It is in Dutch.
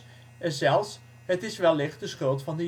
en zelfs ' het is wellicht de schuld van